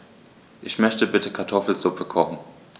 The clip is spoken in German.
Ich möchte bitte Kartoffelsuppe kochen.